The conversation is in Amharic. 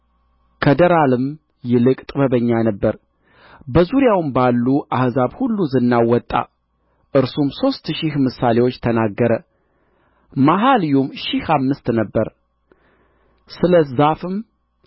ከደራልም ይልቅ ጥበበኛ ነበረ በዙሪያውም ባሉ አሕዛብ ሁሉ ዝናው ወጣ እርሱም ሦስት ሺህ ምሳሌዎች ተናገረ መኃልዩም ሺህ አምስት ነበረ ስለ ዛፍም